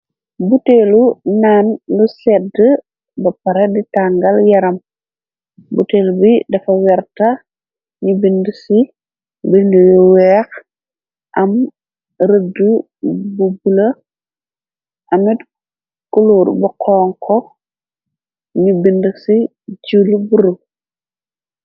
Butelu naan lu sedd, ba para di tangal, yaram butelu bi dafa werta, ñu bind ci binduyu weex, am rëdd bu bula, amit kuluur ba xon ko, ñu bind ci juli buru.